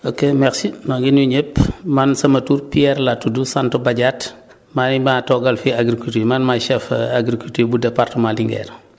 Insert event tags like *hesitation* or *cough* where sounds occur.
ok merci maa ngi nuyu ñëpp man sama tur Pierre laa tudd sant Badiate maay maa toogal fii agriculture man maay chef *hesitation* agriculture bu département Linguère